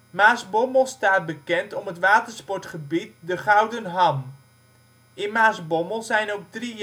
Maasbommel staat bekend om het watersportgebied De Gouden Ham. In Maasbommel zijn ook drie